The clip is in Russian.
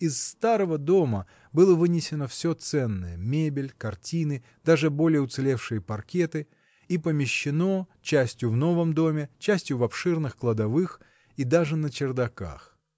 Из старого дома было вынесено всё ценное, мебель, картины, даже более уцелевшие паркеты, и помещено частью в новом доме, частью в обширных кладовых и даже на чердаках.